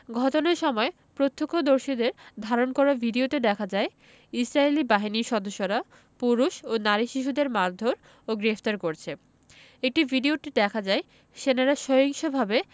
ঘটনার সময় প্রত্যক্ষদর্শীদের ধারণ করা ভিডিওতে দেখা যায় ইসরাইলী বাহিনীর সদস্যরা পুরুষ নারী ও শিশুদের মারধোর ও গ্রেফতার করছে একটি ভিডিওতে দেখা যায় সেনারা সহিংসভাবে